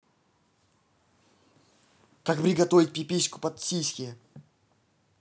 как приготовить пипиську под сиськи